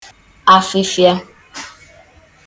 afịfịa